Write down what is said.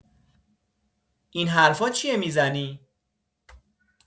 این حرفا چیه می‌زنی؟